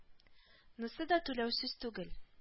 Нысы да түләүсез түгел